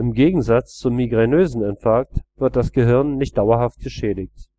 Gegensatz zum migränösen Infarkt wird das Gehirn nicht dauerhaft geschädigt